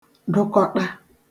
dụkọṭa